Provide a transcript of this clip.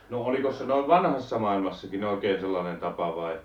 no olikos se noin vanhassa maailmassakin oikein sellainen tapa vai